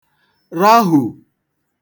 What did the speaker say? rahù